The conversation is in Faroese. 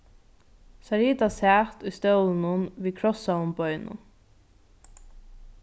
sarita sat í stólinum við krossaðum beinum